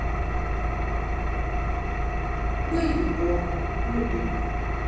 бейби борн ютуб